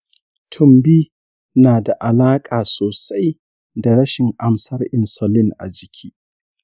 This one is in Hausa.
tumbi na da alaƙa sosai da rashin amsar insulin a jiki.